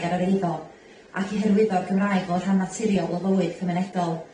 ar yr eiddo, ac i hyrwyddo'r Gymraeg fel rhan naturiol o fywyd cymunedol.